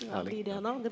Erling .